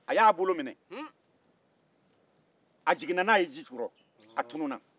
a y'a bolo minɛ a jiginna n'a ye ji jukɔrɔ a tununna